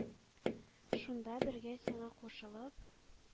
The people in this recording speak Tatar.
Шунда бергә, сиңа кушылып?